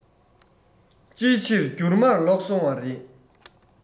ཅིའི ཕྱིར འགྱུར མར ལོག སོང བ རེད